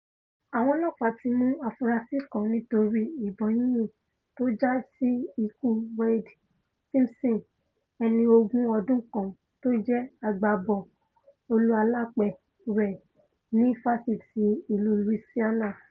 Àwọn ọlọ́ọ̀pá ti mú afurasí kan nítorí ìbọn yínyín tó jásí ikú Wayde Sims, ẹni ogún ọdún kan tó jẹ́ agbábọ́ọ̀lù alápẹ̀rẹ̀ ní LSU.